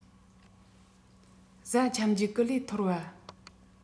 གཟའ ཁྱབ འཇུག སྐུ ལུས ཐོར བ